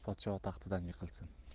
podsho taxtidan yiqilsin